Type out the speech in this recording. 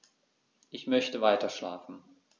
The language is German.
Ich möchte weiterschlafen.